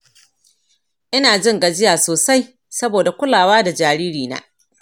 inajin gajiya sosai saboda kulawa da jariri na